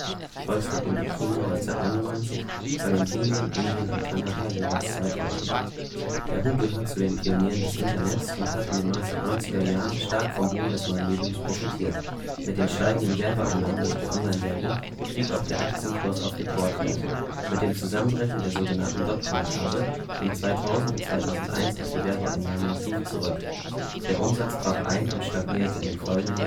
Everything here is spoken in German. China (1999), Argentinien, Indien und Kanada (jeweils 2000). Yahoo gehört zu den Pionieren des Internets und hat in den 1990ern stark vom Boom des neuen Mediums profitiert. Mit den steigenden Werbeeinnahmen durch die Onlinewerbung stieg auch der Aktienkurs auf Rekordwerte. Mit dem Zusammenbrechen der sogenannten Dotcom-Blase gingen 2000/2001 auch die Werbeeinnahmen massiv zurück. Der Umsatz brach ein und stagnierte in den folgenden Geschäftsquartalen